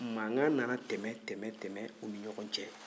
mankan nana tɛmɛn-tɛmɛn u ni ɲɔgɔn cɛ